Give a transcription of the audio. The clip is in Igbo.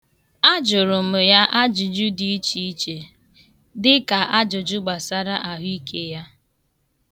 Ajụrụ m ya ajụjụ dị iche iche. Dịka ajụjụ gbasara ahụike ̣ya.